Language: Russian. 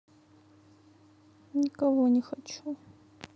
никого не хочу